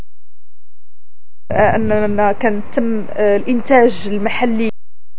تم الانتاج المحلي